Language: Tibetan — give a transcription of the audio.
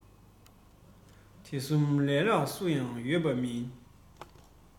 དེ གསུམ ལས ལྷག སུ ཡང ཡོད པ མིན